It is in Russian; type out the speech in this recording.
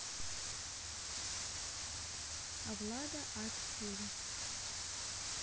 а влада а четыре